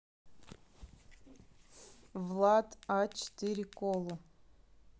влад а четыре колу